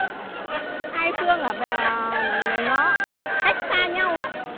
hai cái xương ở nó cách xa nhau